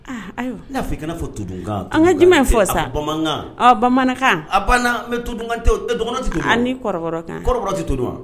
Aa ayiwa n'a fɔ i kana fɔ tu dunkan an ka jum in fɔ sa bamanankan bamanankan a banna bɛ tudkanteti ni kɔrɔ kan kɔrɔ tɛ to dun wa